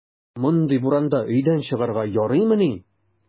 Мондый буранда өйдән чыгарга ярыймыни!